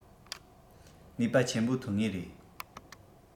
ནུས པ ཆེན པོ ཐོན ངེས རེད